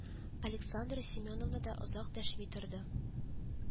Александра Семеновна да озак дәшми торды